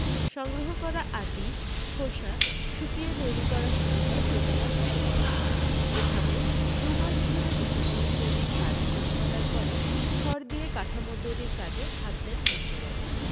সংগ্রহ করা আঁটি খোসা শুকিয়ে তৈরী করা শুরু হয় প্রতিমার উপকরণ এভাবে দুমাস ধরে উপকরণ তৈরীর কাজ শেষ করার পরে খড় দিয়ে কাঠামো তৈরীর কাজে হাত দেন বিষণুবাবু